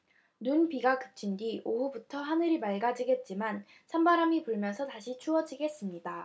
눈비가 그친 뒤 오후부터 하늘이 맑아지겠지만 찬바람이 불면서 다시 추워지겠습니다